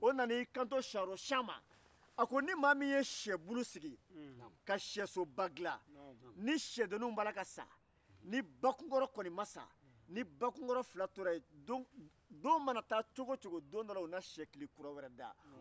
o nana i kanto siyanro schɔn ma ni maa mi ye sɛsoba dila ni sɛdenninw b'a la ka sa ni bakun kɔrɔ ma sa ni bakun kɔrɔ tora ye dan mana taa cogo o cogo u na sɛkili kura da don dɔ la